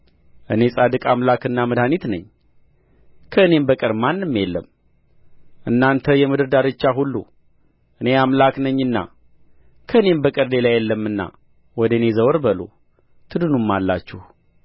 እኔ ጻድቅ አምላክና መድኃኒት ነኝ ከእኔም በቀር ማንም የለም እናንተ የምድር ዳርቻ ሁሉ እኔ አምላክ ነኝና ከእኔም በቀር ሌላ የለምና ወደ እኔ ዘወር በሉ ትድኑማላችሁ